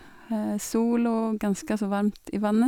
Sol, og ganske så varmt i vannet.